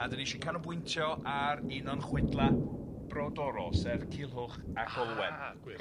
A 'dan ni isio canolbwyntio ar un o'n chwedla brodorol, sef Culhwch ag Olwen. A, gwych.